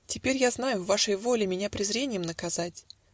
Теперь, я знаю, в вашей воле Меня презреньем наказать.